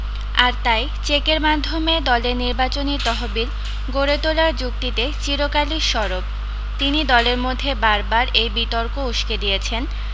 আর তাই চেকের মাধ্যমে দলের নির্বাচনী তহবিল গড়ে তোলার যুক্তিতে চিরকালি সরব তিনি দলের মধ্যে বারবার এই বিতর্ক উসকে দিয়েছেন